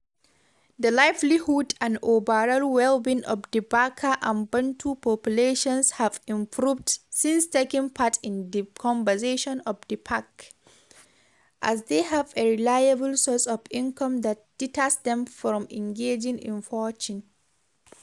The livelihood and overall well-being of the Baka and Bantu populations have improved since taking part in the conservation of the park, as they have a reliable source of income that deters them from engaging in poaching.